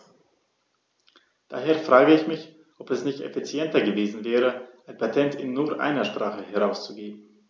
Daher frage ich mich, ob es nicht effizienter gewesen wäre, ein Patent in nur einer Sprache herauszugeben.